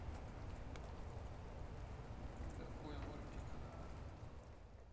какой мультик